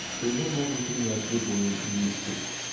что его мог бы принять любой "мистик".